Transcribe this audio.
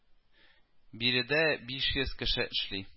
Биредә биш йөз кеше эшли